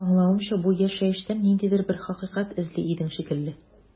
Аңлавымча, бу яшәештән ниндидер бер хакыйкать эзли идең шикелле.